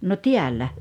no täällä